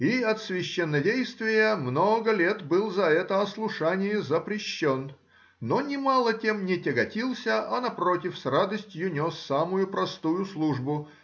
И от священнодействия много лет был за это ослушание запрещен, но нимало тем не тяготился, а, напротив, с радостью нес самую простую службу